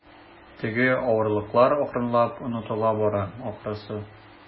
Теге авырлыклар акрынлап онытыла бара, ахрысы.